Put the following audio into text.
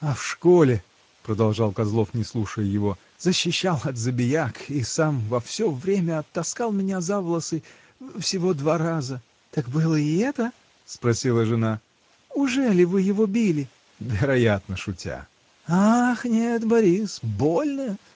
— А в школе, — продолжал Козлов, не слушая его, — защищал от забияк, и сам во всё время оттаскал меня за волосы. всего два раза. — Так было и это? — спросила жена. — Ужели вы его били? — Вероятно, шутя. — Ах нет, Борис: больно!